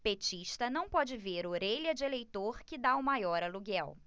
petista não pode ver orelha de eleitor que tá o maior aluguel